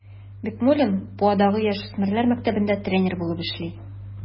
Бикмуллин Буадагы яшүсмерләр мәктәбендә тренер булып эшли.